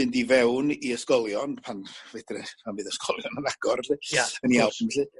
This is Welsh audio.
fynd i fewn i ysgolion pan fedre pan bydd ysgolion yn agor 'elly. ia wrth gwrs. Yn 'lly.